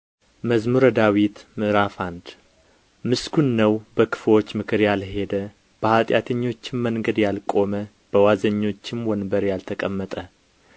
መዝሙር ምዕራፍ አንድ ምስጉን ነው በክፉዎች ምክር ያልሄደ በኃጢአተኞችም መንገድ ያልቆመ በዋዘኞችም ወንበር ያልተቀመጠ